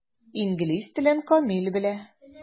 Инглиз телен камил белә.